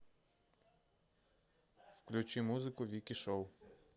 включи музыку вики шоу